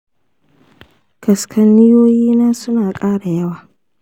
kaskanniyoyi na su na ƙara yawa.